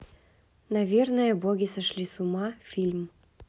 наверное боги сошли с ума фильм